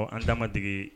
An damade